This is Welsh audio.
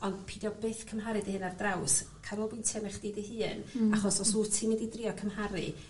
Ond pidio byth cymharu dy hun ar draws canolbwyntio arnach chdi dy hun... Hmm. ...achos os wt ti mynd i drio cymharu